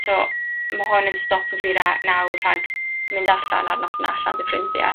t'o' ma' hwn yn stopo fi ra- nawr rhag mynd allan ar noson allan 'da ffrindie